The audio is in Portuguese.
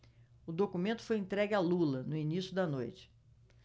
o documento foi entregue a lula no início da noite